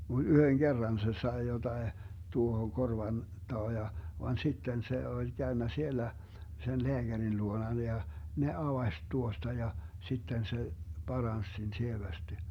mutta yhden kerran se sai jotakin tuohon korvan taa ja vaan sitten se oli käynyt siellä sen lääkärin luona ja ne avasi tuosta ja sitten se paransi sen sievästi